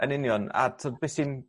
Yn union a t'od be' sy'n